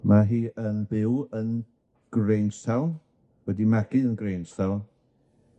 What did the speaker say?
Ma' hi yn byw yn Grangetown, wedi magu yn Grangetown.